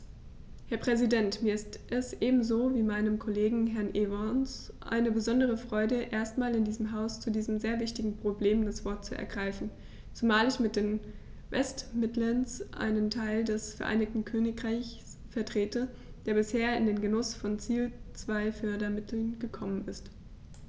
Herr Präsident, mir ist es ebenso wie meinem Kollegen Herrn Evans eine besondere Freude, erstmals in diesem Haus zu diesem sehr wichtigen Problem das Wort zu ergreifen, zumal ich mit den West Midlands einen Teil des Vereinigten Königreichs vertrete, der bisher in den Genuß von Ziel-2-Fördermitteln gekommen ist.